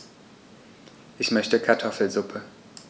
Ich möchte Kartoffelsuppe.